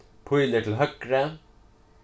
pílur til høgru